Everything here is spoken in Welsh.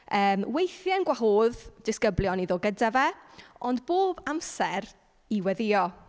Yym, weithiau'n gwahodd disgyblion i ddod gyda fe, ond bob amser i weddïo.